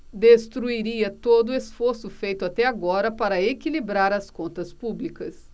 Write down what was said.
destruiria todo esforço feito até agora para equilibrar as contas públicas